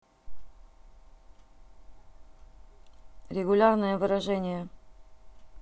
регулярные выражения